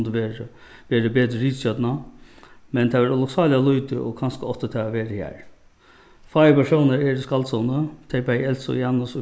kundi verið verið betri ritstjórnað men tað var ólukksáliga lítið og kanska átti tað at verið har fáir persónar eru í skaldsøguni tey bæði elsa og janus